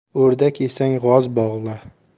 o'rdak yesang g'oz bog'la